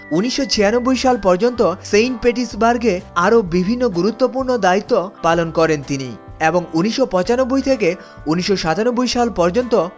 ১৯৯৬ সাল পর্যন্ত Saint Petersburg এ আরো বিভিন্ন গুরুত্বপূর্ণ দায়িত্ব পালন করেন তিনি এবং ১৯৯৫ থেকে ১৯৯৭ সাল পর্যন্ত